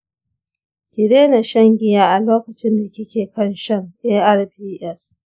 ki daina shan giya a lokacin da kike kan shan arvs.